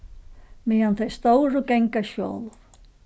meðan tey stóru ganga sjálv